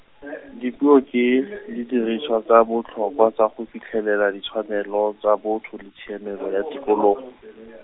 dipuo ke, didiriswa tsa botlhokwa tsa go fitlhelela ditshwanelo tsa botho le tshiamelo ya tikologo.